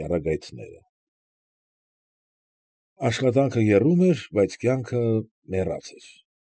Ճառագայթները։ Աշխատանքը եռում էր, բայց կյանքը մեռած էր։